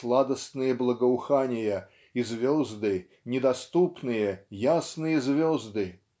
сладостные благоухания и звезды -- недоступные ясные звезды!